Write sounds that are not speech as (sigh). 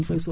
(hesitation) (hesitation)